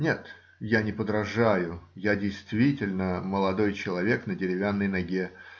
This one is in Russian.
Нет, я не подражаю: я действительно молодой человек на деревянной ноге.